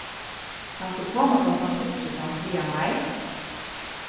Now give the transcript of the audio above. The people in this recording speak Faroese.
kanst tú koma klokkan tíggju tann triðja mai